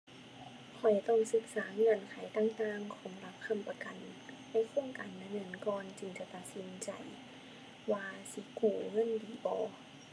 ข้อยต้องศึกษาเงื่อนไขต่างต่างของหลักค้ำประกัน ในโครงการนั้นนั้นก่อน จึงจะตัดสินใจว่าสิกู้เงินดีบ่